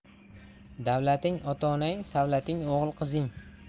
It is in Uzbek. davlating ota onang savlating o'g'il qizing